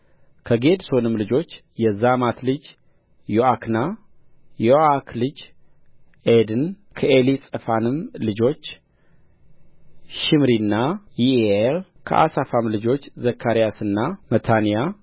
ከጌድሶንም ልጆች የዛማት ልጅ ዩአክና የዩአክ ልጅ ዔድን ከኤሊጸፋንም ልጆች ሺምሪና ይዒኤል ከአሳፍም ልጆች ዘካርያስና መታንያ